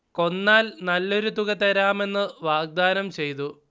കൊന്നാൽ നല്ലൊരു തുക തരാമെന്ന് വാഗ്ദാനവും ചെയ്തു